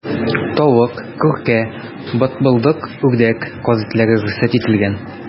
Тавык, күркә, бытбылдык, үрдәк, каз итләре рөхсәт ителгән.